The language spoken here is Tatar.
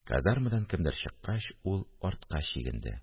Казармадан кемдер чыккач, ул артка чигенде